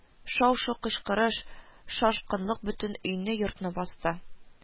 Шау-шу, кычкырыш, шашкынлык бөтен өйне, йортны басты